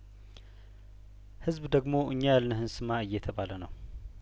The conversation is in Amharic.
ህዝብ ደግሞ እኛ ያልን ህን ስማ እየተባለነው